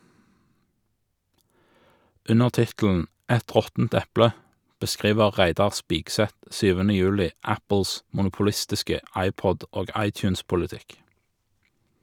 Under tittelen "Et råttent eple" beskriver Reidar Spigseth 7. juli Apples monopolistiske iPod- og iTunes-politikk.